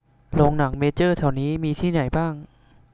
โรงหนังเมเจอร์แถวนี้มีที่ไหนบ้าง